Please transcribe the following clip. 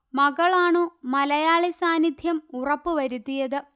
മകളാണു മലയാളി സാന്നിധ്യം ഉറപ്പുവരുത്തിയത്